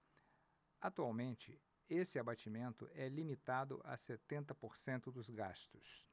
atualmente esse abatimento é limitado a setenta por cento dos gastos